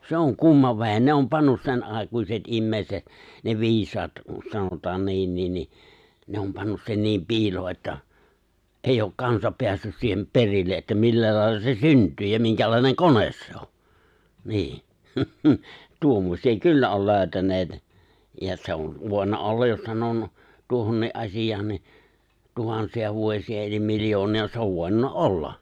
se on kumma vehje ne on pannut senaikaiset ihmiset ne viisaat sanotaan niinkin niin ne on pannut sen niin piiloon että ei ole kansa päässyt siihen perille että millä lailla se syntyy ja minkälainen kone se on niin tuommoisia kyllä on löytäneet ja se on voinut olla jos - tuohonkin asiaan niin tuhansia vuosia eli miljoonia se on voinut olla